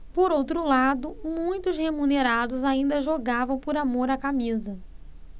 por outro lado muitos remunerados ainda jogavam por amor à camisa